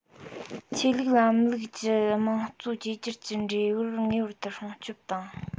ཆོས ལུགས ལམ ལུགས ཀྱི དམངས གཙོ བཅོས བསྒྱུར གྱི འབྲས བུར ངེས པར དུ སྲུང སྐྱོབ དང